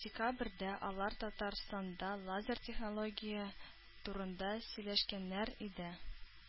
Декабрьдә алар Татарстанда лазер технология турында сөйләшкәннәр иде.